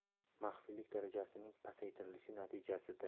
maxfiylik darajasining pasaytirilishi natijasida